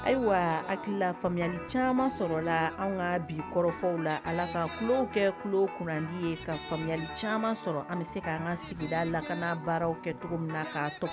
Ayiwa, n hakii la faamyali caman sɔrɔla an ka bi kɔrɔfɔw la allah ka n tulow kɛ tulokunandi ye ka faamuyali caaman sɔrɔ an bɛ se ka an ka sigi lakana baaraw kɛ cogo min na